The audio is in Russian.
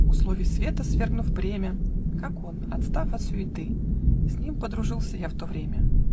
Условий света свергнув бремя, Как он, отстав от суеты, С ним подружился я в то время.